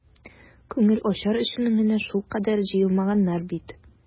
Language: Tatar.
Күңел ачар өчен генә шулкадәр җыелмаганнар бит.